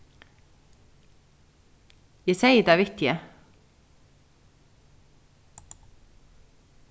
eg segði tað við teg